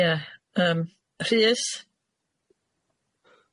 Ie ie yym Rhys?